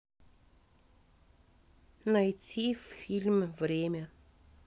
найти фильм время